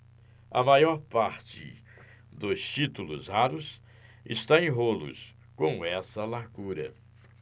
a maior parte dos títulos raros está em rolos com essa largura